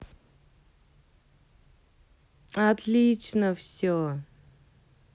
отлично все